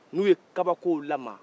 n'u ye kabakow lamaga